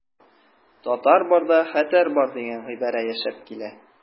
Татар барда хәтәр бар дигән гыйбарә яшәп килә.